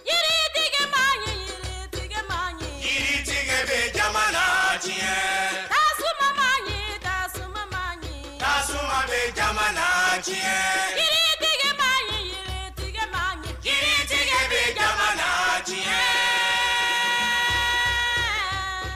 Yiritigibakɛ yiritigiba ɲi jiri jɛgɛ bɛ jama jɛgɛ jaababa kin tabag jaaba bɛ jama diɲɛ jtigiba ye yiritigiba min j jɛgɛ bɛ jama jɛgɛ